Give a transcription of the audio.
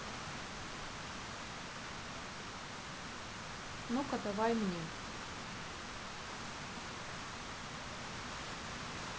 ну ка давай мне